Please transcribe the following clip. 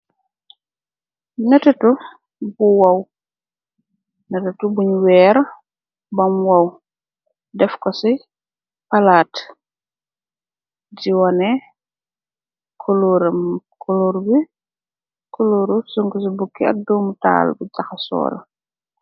Natatu bu waw natëtu buñ weer bam waw def ko ci palaat giwone kuluuru su ngu ci bukki ak doomu taal bu jaxa soola.